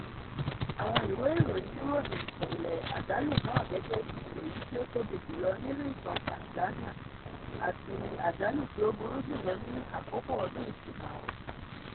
Àwọn ìwé ìròyìn ròyìn ìṣẹ̀lẹ̀ àjálù náà gẹ́gẹ́ bíi èyí tí ó "tóbi jùlọ nínú ìtàn Tanzania" àti "àjálù tí ó burú jùlọ ní àkókò ọdún Ìtúnu àwẹ̀".